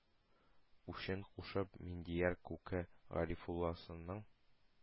Үчен кушып, миндияр күке гарифулласының